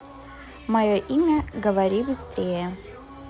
мое имя говори быстрее